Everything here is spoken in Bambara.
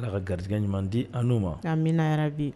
Ala ka garidi ɲuman di an n'u ma kamina yɛrɛ bi